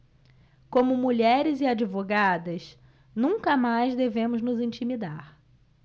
como mulheres e advogadas nunca mais devemos nos intimidar